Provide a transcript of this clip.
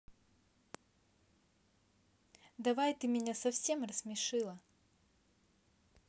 давай ты меня совсем расмешила